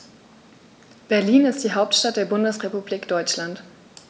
Berlin ist die Hauptstadt der Bundesrepublik Deutschland.